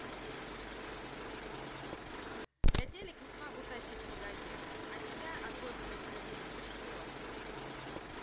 я телек не смогу тащить в магазин а тебя особенно свернул ты что